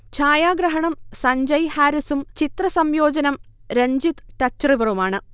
ഛായാഗ്രഹണം സഞ്ജയ് ഹാരിസും ചിത്രസംയോജനം രഞ്ജിത്ത് ടച്ച് റിവറുമാണ്